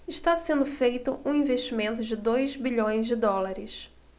está sendo feito um investimento de dois bilhões de dólares